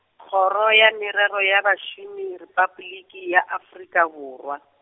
Kgoro ya Merero ya Bašomi, Repabliki ya Afrika Borwa.